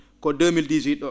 ko 2018 ?oo